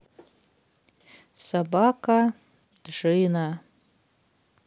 собака джина